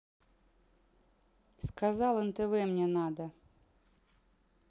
сказал нтв мне надо